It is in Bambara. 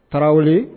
Tarawele